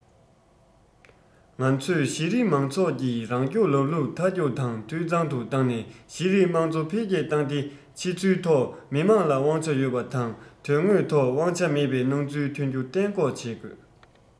ང ཚོས གཞི རིམ མང ཚོགས ཀྱི རང སྐྱོང ལམ ལུགས མཐའ འཁྱོངས དང འཐུས ཚང དུ བཏང ནས གཞི རིམ དམངས གཙོ འཕེལ རྒྱས བཏང སྟེ ཕྱི ཚུལ ཐོག མི དམངས ལ དབང ཆ ཡོད པ དང དོན དངོས ཐོག དབང ཆ མེད པའི སྣང ཚུལ ཐོན རྒྱུ གཏན འགོག བྱེད དགོས